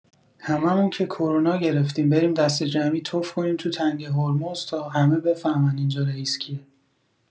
همه‌مون که کرونا گرفتیم بریم دسته‌جمعی تف کنیم توی تنگه هرمز تا همه بفهمن اینجا رئیس کیه